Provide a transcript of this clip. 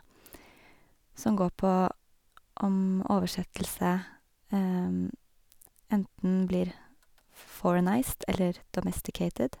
Som går på om oversettelse enten blir f foreignized eller domesticated.